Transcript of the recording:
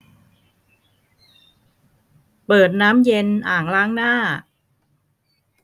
เปิดน้ำเย็นอ่างล้างหน้า